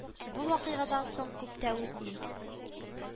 Бу вакыйгадан соң күп тә үтми